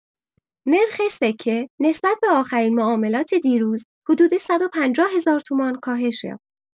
نرخ سکه نسبت به آخرین معاملات دیروز حدود ۱۵۰ هزار تومان کاهش یافت.